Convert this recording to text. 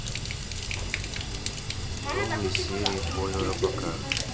новые серии поли робокар